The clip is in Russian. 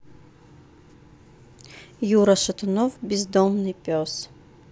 юра шатунов бездомный пес